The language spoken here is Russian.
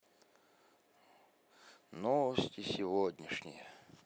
новости сегодняшние